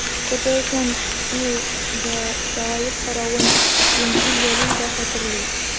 КПССның ТИҮгә сагаеп каравын Римзил Вәли дә хәтерли.